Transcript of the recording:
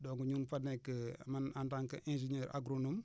donc ñu nga fa nekk man en tant que ingénieur agronome